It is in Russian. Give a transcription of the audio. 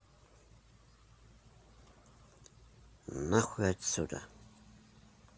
нахуй отсюда